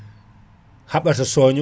haɓata soño